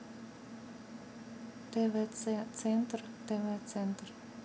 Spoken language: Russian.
твц центр тв центр